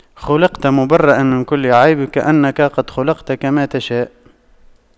خلقت مُبَرَّأً من كل عيب كأنك قد خُلقْتَ كما تشاء